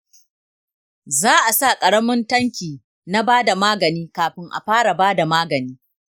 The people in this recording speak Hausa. za'a sa ƙaramin tanki na bada magani kafin a fara bada magani.